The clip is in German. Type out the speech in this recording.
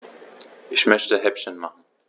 Ich möchte Häppchen machen.